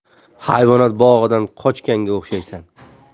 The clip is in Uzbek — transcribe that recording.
hayvonot bog'idan qochganga o'xshaysan